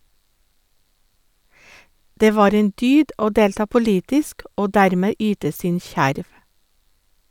Det var en dyd å delta politisk å dermed yte sin skjerv.